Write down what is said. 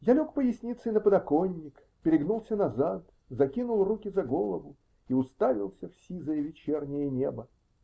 Я лег поясницей на подоконник, перегнулся назад, закинул руки за голову и уставился в сизое вечернее небо.